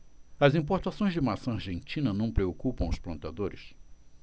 as importações de maçã argentina não preocupam os plantadores